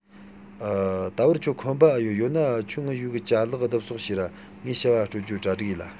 ད བར ཁྱོད ཁོམ པ ཨེ ཡོད ཡོད ན ཁྱོས ངའི ཡུའུ གི ཅག ག བསྡུ གསོག བྱོས ར ངས བྱ བ སྤོད རྒྱུའོ གྲ སྒྲིག ཡེད